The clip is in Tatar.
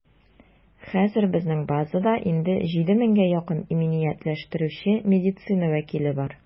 Хәзер безнең базада инде 7 меңгә якын иминиятләштерүче медицина вәкиле бар.